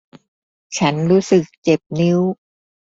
ฉันรู้สึกเจ็บนิ้ว